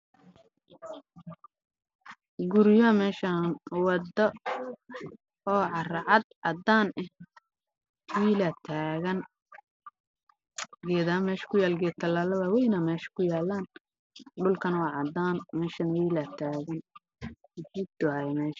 Wada caracad ah waxaa taagan wiil